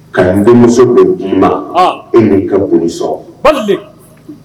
Ka n denmuso bɛ kun na e ni ka bo sɔrɔ pa